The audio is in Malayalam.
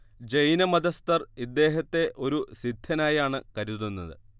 ജൈനമതസ്തർ ഇദ്ദേഹത്തെ ഒരു സിദ്ധനായാണ് കരുതുന്നത്